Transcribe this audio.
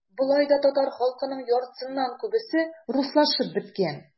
Болай да татар халкының яртысыннан күбесе - руслашып беткән.